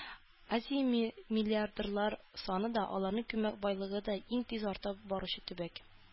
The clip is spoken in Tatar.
Азия – миллиардерлар саны да, аларның күмәк байлыгы да иң тиз арта баручы төбәк.